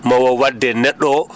maa o waɗde e neɗɗo oo